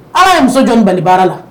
Ala ye muso jɔni bali baara la.